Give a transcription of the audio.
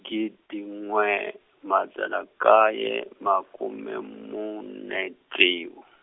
gidi n'we madzana nkaye makume mune ntsevu.